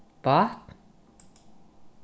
vatn